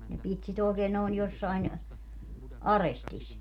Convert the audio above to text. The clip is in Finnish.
ne piti sitä oikein noin jossakin arestissa